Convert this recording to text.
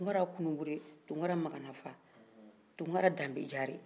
tunkara kunukure tunkara maganafa tunkara dambejare